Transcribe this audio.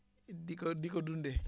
di ko di ko dundee